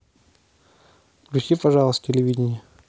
включи пожалуйста телевидение